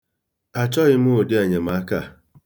Achọghị m ụdị enyemaka a.